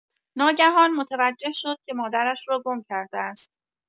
ناگهان متوجه شد که مادرش را گم کرده است.